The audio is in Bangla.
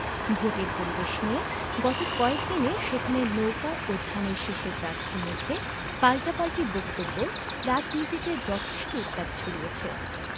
ভোটের পরিবেশ নিয়ে গত কয়েক দিনে সেখানে নৌকা ও ধানের শীষের প্রার্থীর মধ্যে পাল্টাপাল্টি বক্তব্য রাজনীতিতে যথেষ্ট উত্তাপ ছড়িয়েছে